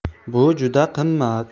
bu juda qimmat